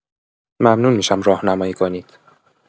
ممنون می‌شم راهنمایی کنید